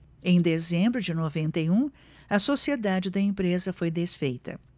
em dezembro de noventa e um a sociedade da empresa foi desfeita